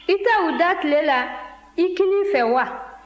i tɛ u da tile la i kinin fɛ wa